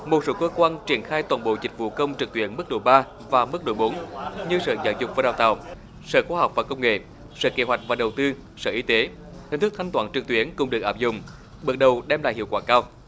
một số cơ quan triển khai toàn bộ dịch vụ công trực tuyến mức độ ba và mức độ bốn như sở giáo dục và đào tạo sở khoa học và công nghệ sở kế hoạch và đầu tư sở y tế hình thức thanh toán trực tuyến cũng được áp dụng bước đầu đem lại hiệu quả cao